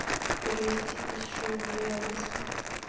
перевести тысячу рублей алиса